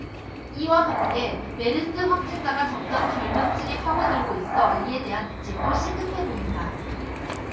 이와 함께 메르스 확진자가 점점 젊은 층에 파고들고 있어 이에 대한 대책도 시급해 보인다